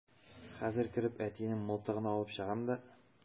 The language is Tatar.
Хәзер кереп әтинең мылтыгын алып чыгам да...